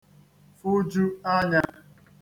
fuju ānyā